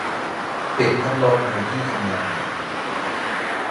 ปิดพัดลมในที่ทำงาน